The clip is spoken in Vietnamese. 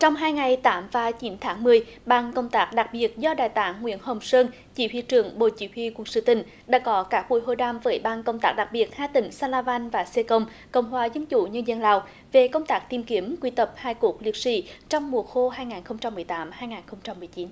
trong hai ngày tám và chín tháng mười ban công tác đặc biệt do đại tá nguyễn hồng sơn chỉ huy trưởng bộ chỉ huy quân sự tỉnh đã có cả buổi hội đàm với ban công tác đặc biệt hai tỉnh sa la van và sê công cộng hòa dân chủ nhân dân lào về công tác tìm kiếm quy tập hài cốt liệt sỹ trong mùa khô hai ngàn không trăm mười tám hai ngàn không trăm mười chín